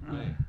niin